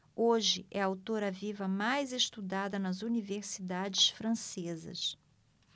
hoje é a autora viva mais estudada nas universidades francesas